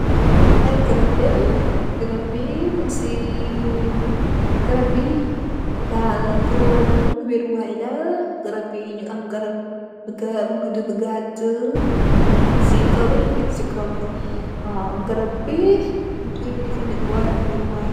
Lee aye garab len garabi mugse garabi dal purr walum weruway la garabi nu am garab bu goudu bu gatee nug se cover nekut se cover waw garab bi nug koye jufaneku walum weruway.